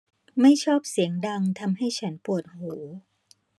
ไม่ชอบเสียงดังทำให้ฉันปวดหู